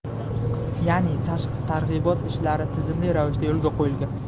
ya'ni tashqi targ'ibot ishlari tizimli ravishda yo'lga qo'yilgan